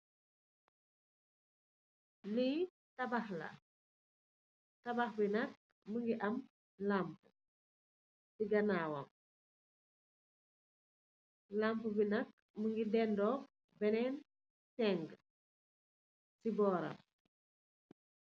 Lee tabah laa, tabah be nak muge am lapp se ganawam lampu bi nak muge deduk benen segee se boram.